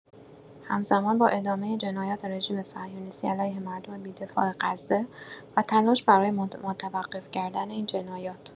همزمان با ادامه جنایات رژیم صهیونیستی علیه مردم بی‌دفاع غزه و تلاش برای متوقف کردن این جنایات